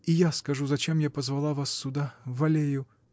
И я скажу: затем я позвала вас сюда, в аллею.